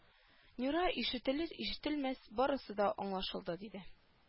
Нюра ишетелер-ишетелмәс барысы да аңлашылды диде